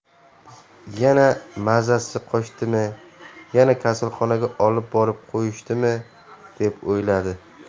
yana mazasi qochdimi yana kasalxonaga olib borib qo'yishdimi deb o'yladi